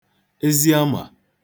eziamà